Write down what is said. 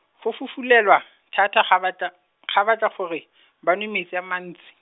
go fufulelwa, thata ga bata, ga batla gore, ba nwe metsi a mantsi.